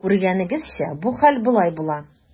Күргәнегезчә, бу хәл болай була.